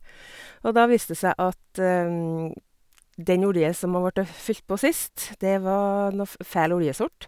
Og da viste det seg at den olje som har vorte fylt på sist, det var noe f feil oljesort.